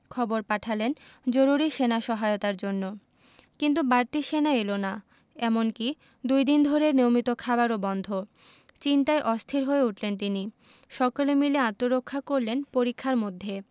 খবর পাঠালেন জরুরি সেনা সহায়তার জন্য কিন্তু বাড়তি সেনা এলো না এমনকি দুই দিন ধরে নিয়মিত খাবারও বন্ধ চিন্তায় অস্থির হয়ে উঠলেন তিনি সকলে মিলে আত্মরক্ষা করলেন পরিখার মধ্যে